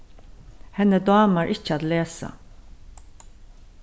henni dámar ikki at lesa